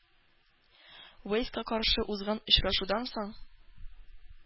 Уэльска каршы узган очрашудан соң